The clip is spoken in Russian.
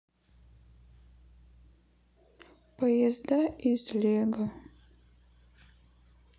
поезда из лего